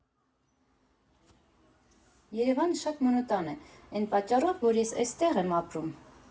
Երևանը շատ մոնոտան է էն պատճառով, որ ես էստեղ եմ ապրում։